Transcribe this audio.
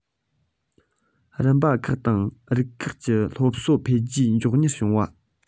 རིམ པ ཁག དང རིགས ཁག གི སློབ གསོ འཕེལ རྒྱས མགྱོགས མྱུར བྱུང བ